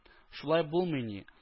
Шулай булмый ни